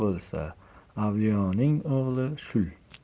bo'lsa avliyoning o'g'li shul